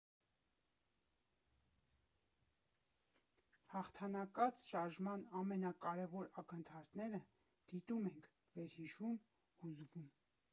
Հաղթանակած շարժման ամենակարևոր ակնթարթները՝ դիտում ենք, վերհիշում, հուզվում։